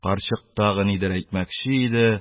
Карчык тагы нидер әйтмәкче иде,